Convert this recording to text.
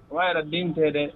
Wa den tɛ dɛ